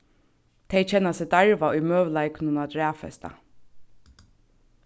tey kenna seg darvað í møguleikunum at raðfesta